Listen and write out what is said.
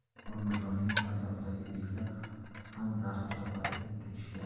bobur mirzoning atrofidagi beklar ham rahm shafqatni unutmishlar